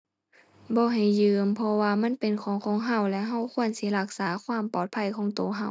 บ่ให้ยืม เพราะว่ามันเป็นของของเรา และเราควรสิรักษาความปลอดภัยของเราเรา